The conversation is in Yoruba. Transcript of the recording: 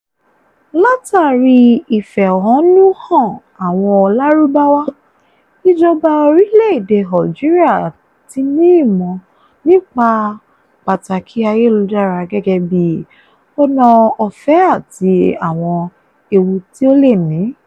Látàrí ìfẹ̀hónú hàn àwọn Lárúbáwá, ìjọba orílẹ̀-èdè Algeria ti ní ìmọ̀ nípa pàtàkì ayélujára gẹ́gẹ́ bíi ọ̀nà ọ̀fẹ́ àti àwọn ewú tí ó le ní.